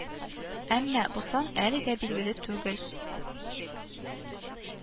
Әмма бу сан әлегә билгеле түгел